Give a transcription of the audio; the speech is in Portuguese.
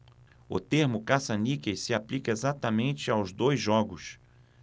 o termo caça-níqueis se aplica exatamente aos dois jogos